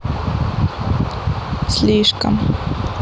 слишком